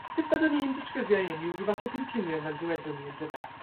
sut byddwn i'n disgrifio hyn yw ryw fath o gontinwwm fel dywedon nni on'd yfe?